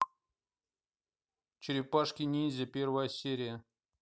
черепашки ниндзя первая серия